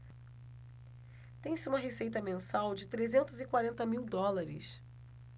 tem-se uma receita mensal de trezentos e quarenta mil dólares